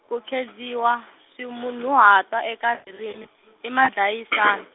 ku khedziwa swimunhuhatwa eka ririmi i madlayisan-.